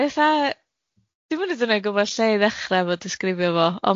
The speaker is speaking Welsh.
Mae o fatha dwi'n yn hyd 'n oed gwbo lle i ddecha 'fo disgrifio fo